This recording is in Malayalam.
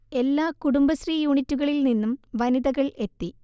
എല്ലാ കുടുംബശ്രീ യൂണിറ്റുകളിൽ നിന്നും വനിതകൾ എത്തി